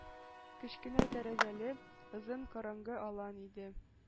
Кечкенә тәрәзәле, озын, караңгы алан иде.